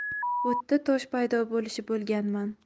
o'tda tosh paydo bo'lishi bo'lganman